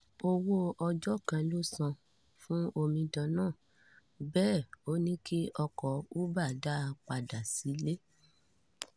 Owó ọjọ́ kan ló san an fún omidan náà, Bẹ́ẹ̀ ‘ó ní kí ọkọ̀ Uber da pádà sílé ẹ̀.